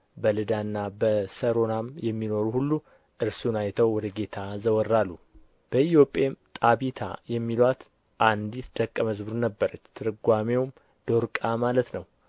በልዳና በሰሮናም የሚኖሩ ሁሉ እርሱን አይተው ወደ ጌታ ዘወር አሉ በኢዮጴም ጣቢታ የሚሉአት አንዲት ደቀ መዝሙር ነበረች ትርጓሜውም ዶርቃ ማለት ነው